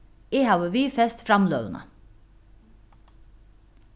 eg havi viðfest framløguna